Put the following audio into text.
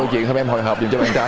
câu chuyện có vẻ hồi hộp